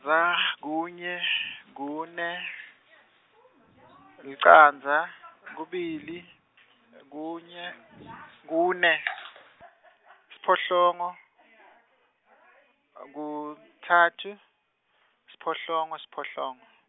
-va kunye, kune , licandza , kubili , kunye, kune , siphohlongo , kutsatfu, siphohlongo siphohlongo.